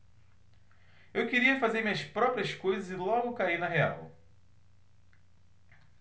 eu queria fazer minhas próprias coisas e logo caí na real